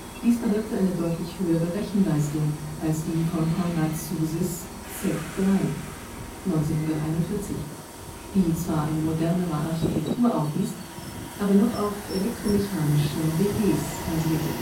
Dies bewirkte eine deutlich höhere Rechenleistung als die von Konrad Zuses Z3 (1941), die zwar eine modernere Architektur aufwies, aber noch auf elektromechanischen Relais basierte